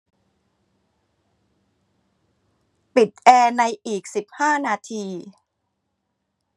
ปิดแอร์ในอีกสิบห้านาที